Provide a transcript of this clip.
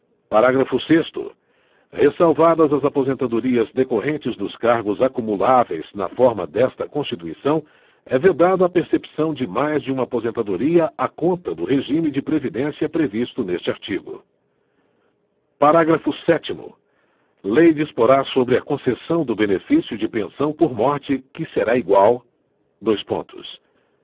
parágrafo sexto ressalvadas as aposentadorias decorrentes dos cargos acumuláveis na forma desta constituição é vedada a percepção de mais de uma aposentadoria à conta do regime de previdência previsto neste artigo parágrafo sétimo lei disporá sobre a concessão do benefício de pensão por morte que será igual dois pontos